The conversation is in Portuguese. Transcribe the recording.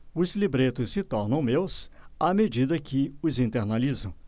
os libretos se tornam meus à medida que os internalizo